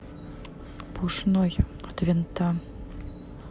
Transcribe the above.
пушной от винта